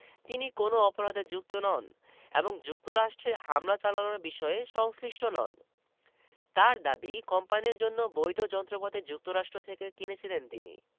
তিনি কোনো অপরাধে যুক্ত নন এবং যুক্তরাষ্ট্রে হামলা চালানোর বিষয়ে সংশ্লিষ্ট নন তাঁর দাবি কোম্পানির জন্য বৈধ যন্ত্রপাতি যুক্তরাষ্ট্র থেকে কিনেছিলেন তিনি